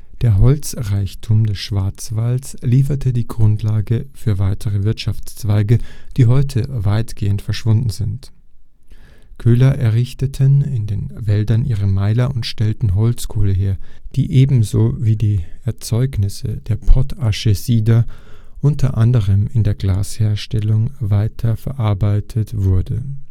Der Holzreichtum des Schwarzwalds lieferte die Grundlage für weitere Wirtschaftszweige, die heute weitgehend verschwunden sind. Köhler errichteten in den Wäldern ihre Meiler und stellten Holzkohle her, die ebenso wie die Erzeugnisse der Pottasche-Sieder unter anderem in der Glasherstellung weiterverarbeitet wurde